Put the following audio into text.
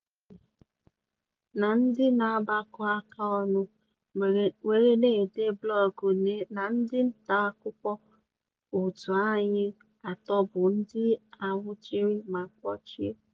Mmadụ isii na ndị na-agbakọ aka ọnụ were na-ede blọọgụ na ndị nta akụkọ òtù anyị atọ bụ ndị anwụchiri ma kpọchie.